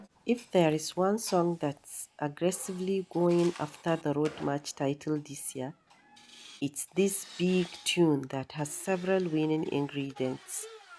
If there's one song that's aggressively going after the Road March title this year, it's this big tune that has several winning ingredients: